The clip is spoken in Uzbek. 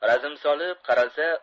razm solib qaralsa